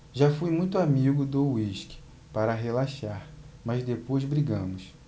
já fui muito amigo do uísque para relaxar mas depois brigamos